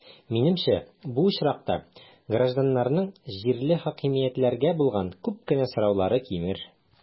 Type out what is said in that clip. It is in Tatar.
Минемчә, бу очракта гражданнарның җирле хакимиятләргә булган күп кенә сораулары кимер.